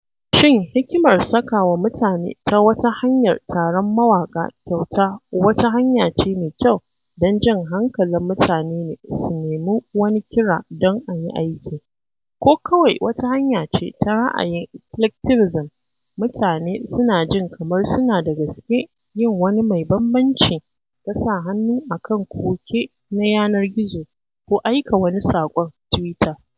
Shin hikimar saka wa mutane ta wata hanyar taron mawaƙa kyauta wata hanya ce mai kyau don jan hankalin mutane su nemi wani kira don a yi aiki, ko kawai wata hanya ce ta ra'ayin "clicktivism" - mutane suna jin kamar suna da gaske yin wani mai bambanci ta sa hannu a kan koke na yanar gizo ko aika wani saƙon Twitter?